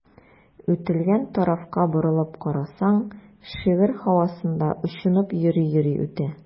Үтелгән тарафка борылып карасаң, шигырь һавасында очынып йөри-йөри үтә.